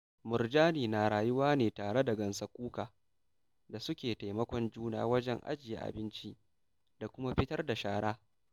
Murjani na rayuwa ne tare da gansakuka da suke taimakon juna wajen ajiye abinci da kuma fitar da shara.